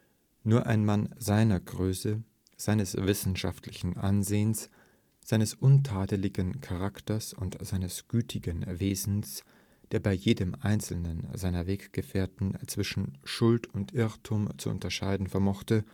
Nur ein Mann seiner Größe, seines wissenschaftlichen Ansehens, seines untadeligen Charakters und seines gütigen Wesens, der bei jedem einzelnen seiner Weggefährten zwischen Schuld und Irrtum zu unterscheiden vermochte